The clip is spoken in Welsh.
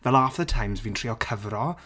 Fel half the times fi'n trio cyfro...